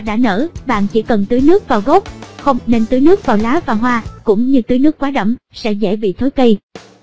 khi hoa đã nở bạn chỉ cần tưới nước vào gốc không nên tưới nước vào lá và hoa cũng như tưới nước quá đẫm sẽ dễ bị thối cây